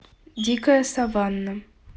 дикая саванна